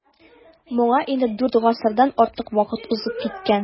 Моңа инде дүрт гасырдан артык вакыт узып киткән.